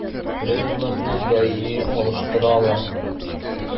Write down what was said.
Тренерларны даими алыштыралар.